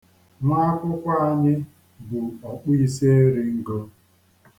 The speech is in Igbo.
Nwa akwụkwọ anyị bu ọ̀kpụīsieringo.